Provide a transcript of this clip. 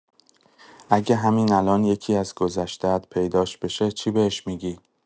اگه همین الان یکی‌از گذشته‌ات پیداش بشه، چی بهش می‌گی؟